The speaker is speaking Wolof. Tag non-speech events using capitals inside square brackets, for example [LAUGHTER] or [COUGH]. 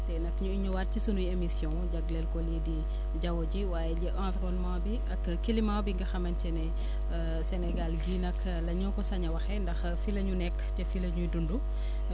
tey nag ñuy ñëwaat ci sunuy émissions jagleel ko lii di jaww ji waaye environnement bi ak climat bi nga xam ne [BREATH] [HESITATION] Sénégal gii nag la ñoo ko sañ a waxee ndax fii la ñu nekk te fii la ñuy dund [BREATH]